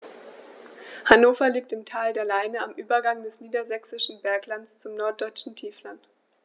Hannover liegt im Tal der Leine am Übergang des Niedersächsischen Berglands zum Norddeutschen Tiefland.